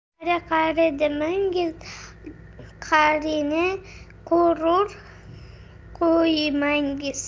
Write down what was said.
qari qari demangiz qarini quruq qo'ymangiz